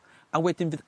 A wedyn bydd